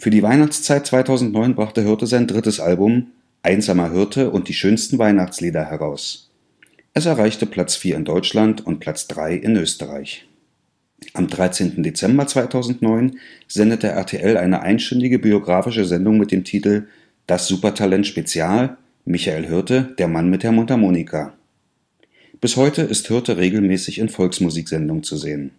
die Weihnachtszeit 2009 brachte Hirte sein drittes Album Einsamer Hirte & die schönsten Weihnachtslieder heraus. Es erreichte Platz vier in Deutschland und Platz drei in Österreich. Am 13. Dezember 2009 sendete RTL eine einstündige biographische Sendung mit dem Titel Das Supertalent Spezial: Michael Hirte – Der Mann mit der Mundharmonika. Bis heute ist Hirte regelmäßig in Volksmusiksendungen zu sehen